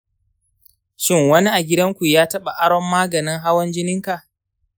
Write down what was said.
shin wani a gidanku ya taba aron maganin hawan jininka?